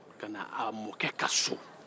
ka na a mɔkɛ ka so